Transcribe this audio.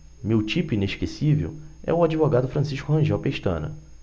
meu tipo inesquecível é o advogado francisco rangel pestana